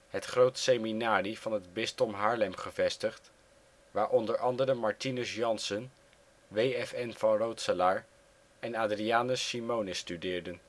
het Groot Seminarie van het bisdom Haarlem gevestigd, waar onder andere Martinus Jansen, W.F.N. van Rootselaar en Adrianus Simonis studeerden